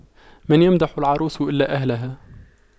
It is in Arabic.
من يمدح العروس إلا أهلها